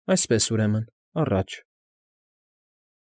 Այսպես, ուրեմն, առաջ»։